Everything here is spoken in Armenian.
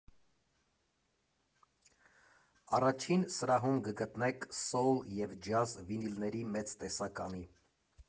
Առաջին սրահում կգտնեք սոուլ և ջազ վինիլների մեծ տեսականի։